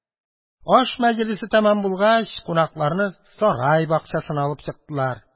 Аш мәҗлесе тәмам булгач, кунакларны сарай бакчасына алып чыктылар.